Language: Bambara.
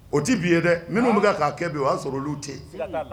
O tɛ bi ye dɛ minnu bɛ' kɛ bi o y'a sɔrɔ' ten yen